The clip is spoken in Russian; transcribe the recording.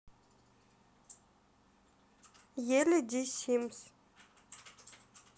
elli di симс